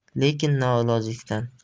lekin noilojlikdan